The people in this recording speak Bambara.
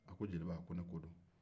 jeliba ne ko don